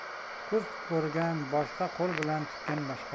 ko'z ko'rgan boshqa qo'l bilan tutgan boshqa